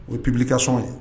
O ye pbilika sɔn ye